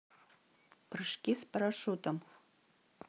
прыжки с парашютом